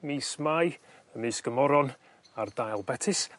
mis Mai ymysg y moron a'r dail betis